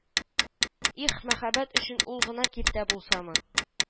Их, мәхәббәт өчен ул гына киртә булсамы…